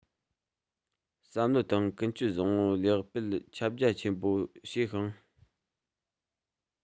བསམ བློ དང ཀུན སྤྱོད བཟང པོ ལེགས སྤེལ ཁྱབ རྒྱ ཆེན པོ བྱས ཤིང